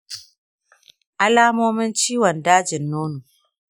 alamomin ciwon dajin nono